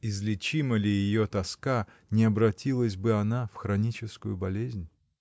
Излечима ли ее тоска, не обратилась бы она в хроническую болезнь?